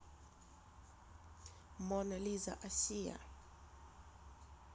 мона лиза асия